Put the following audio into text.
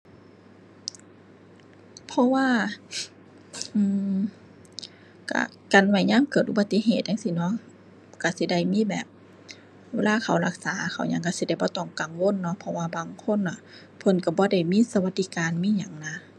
เพราะว่า อือ ก็กันไว้ยามเกิดอุบัติเหตุจั่งซี้เนาะ ก็สิได้มีแบบ เวลาเข้ารักษาเข้าหยังก็สิได้บ่ต้องกังวลเนาะ เพราะว่าบางคนน่ะ เพิ่นก็บ่ได้มีสวัสดิการมีหยังนะ